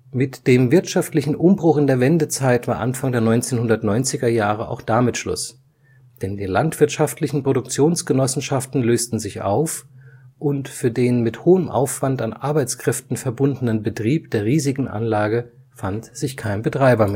Mit dem wirtschaftlichen Umbruch in der Wendezeit war Anfang der 1990er Jahre auch damit Schluss, denn die Landwirtschaftlichen Produktionsgenossenschaften lösten sich auf und für den mit hohem Aufwand an Arbeitskräften verbundenen Betrieb der riesigen Anlage fand sich kein Betreiber